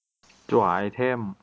จั่วไอเทม